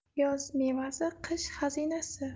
yoz mevasi qish xazinasi